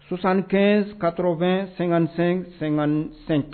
75 80 55 55